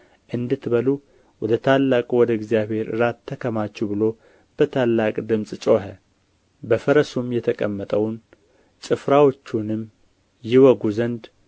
እንድትበሉ ወደ ታላቁ ወደ እግዚአብሔር እራት ተከማቹ ብሎ በታላቅ ድምፅ ጮኸ በፈረሱም የተቀመጠውን ጭፍራዎቹንም ይወጉ ዘንድ